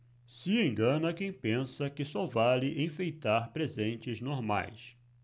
se engana quem pensa que só vale enfeitar presentes normais